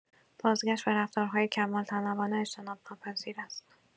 بازگشت به رفتارهای کمال‌طلبانه اجتناب‌ناپذیر است.